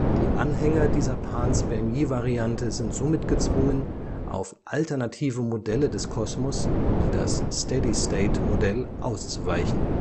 Die Anhänger dieser Panspermie-Variante sind somit gezwungen, auf alternative Modelle des Kosmos wie das Steady-State-Modell auszuweichen